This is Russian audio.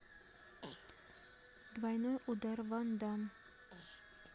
двойной удар ван дамм